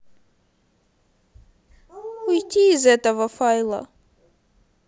уйти от этого файла